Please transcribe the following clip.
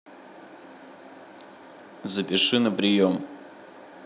запиши на прием